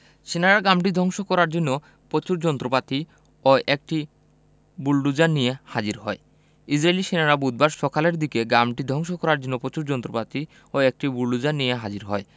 সেনারা গ্রামটি ধ্বংস করার জন্য প্রচুর যন্ত্রপাতি ও একটি বুলোডোজার নিয়ে হাজির হয় ইসরাইলী সেনারা বুধবার সকালের দিকে গ্রামটি ধ্বংস করার জন্য প্রচুর যন্ত্রপাতি ও একটি বুলোডোজার নিয়ে হাজির হয়